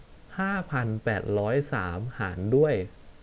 ห้าพันแปดร้อยสามหารด้วย